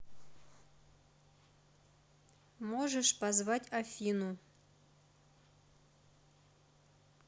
можешь позвать афину